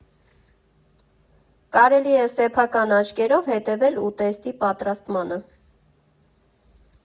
Կարելի է սեփական աչքերով հետևել ուտեստի պատրաստմանը։